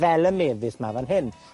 Fel y mefus 'ma fan hyn.